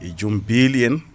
e joom beeli en